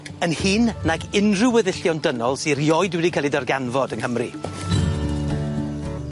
Yn hŷn nag unryw weddillion dynol sy erioed wedi cael 'u darganfod yng Nghymru.